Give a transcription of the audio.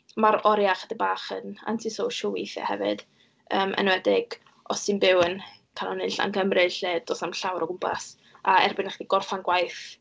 Ma'r oriau ychydig bach yn antisocial weithiau hefyd, yym, enwedig os ti'n byw yn canol nunlla yn Cymru, lle does na'm llawr o gwmpas, a erbyn i chdi gorffen gwaith...